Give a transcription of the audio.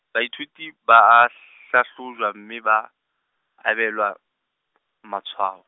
baithuti ba a hlahlojwa mme ba, abelwa, matshwao.